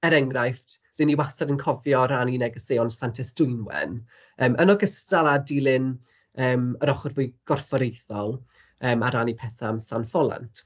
Er enghraifft, ry'n ni wastad yn cofio rannu negeseuon Santes Dwynwen, yym yn ogystal â dilyn yym yr ochr fwy gorfforaethol, yym a rannu petha am San Ffolant.